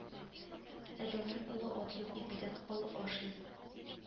Адәмнән олы ат юк, ипидән олы аш юк